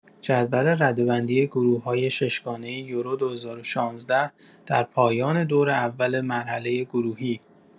جدول رده‌بندی گروه‌های ششگانه یورو ۲۰۱۶ در پایان دور اول مرحله گروهی